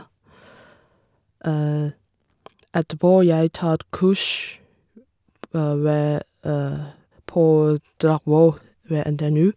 Etterpå jeg tar et kurs p ved på Dragvoll, ved NTNU.